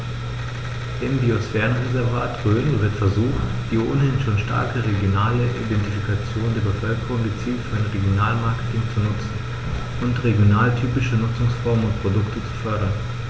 Im Biosphärenreservat Rhön wird versucht, die ohnehin schon starke regionale Identifikation der Bevölkerung gezielt für ein Regionalmarketing zu nutzen und regionaltypische Nutzungsformen und Produkte zu fördern.